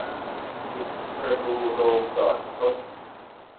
ปิดประตูโรงจอดรถ